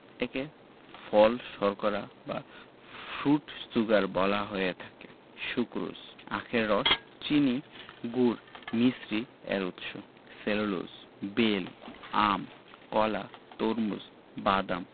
একে ফল শর্করা বা ফ্রুট শুগার বলা হয়ে থাকে সুক্রোজ আখের রস চিনি গুড় মিছরি এর উৎস সেলুলোজ বেল আম কলা তরমুজ বাদাম